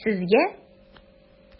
Сезгә?